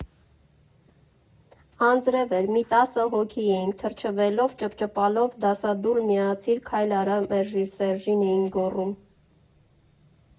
Անձրև էր, մի տասը հոգի էինք, թրջվելով, ճփճփալով «դասադուլ֊միացիր֊քայլ արա, մերժիր Սերժին» էինք գոռում։